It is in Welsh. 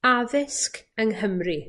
Addysg yng Nghymru.